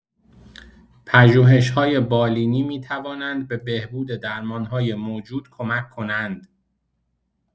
پژوهش‌‌های بالینی می‌توانند به بهبود درمان‌های موجود کمک کنند.